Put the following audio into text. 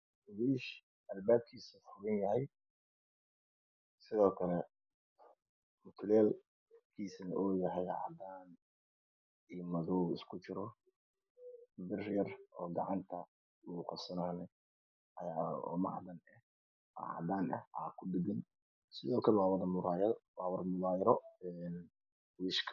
Wiish albaabkiisa uu weyn yahay sidoo kale mutuleelkiisu uu yahay cadaan iyo madow isku jiro. Biryar oo gacanta lugu qabsado ayaa kudhagan sidoo kale waa wada muraayado wiishka.